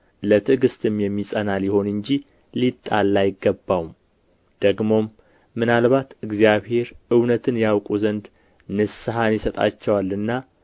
ለትዕግሥትም የሚጸና ሊሆን እንጂ ሊጣላ አይገባውም ደግሞም ምናልባት እግዚአብሔር እውነትን ያውቁ ዘንድ ንስሐን ይሰጣቸዋልና